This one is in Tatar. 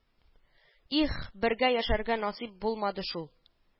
Их, бергә яшәргә насыйп булмады шул